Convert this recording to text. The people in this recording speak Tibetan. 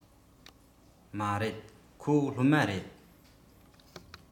མ རེད ཁོ སློབ མ རེད